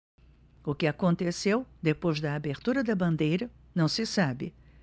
o que aconteceu depois da abertura da bandeira não se sabe